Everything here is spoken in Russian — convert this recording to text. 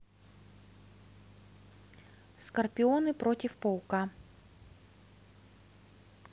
скорпионы против паука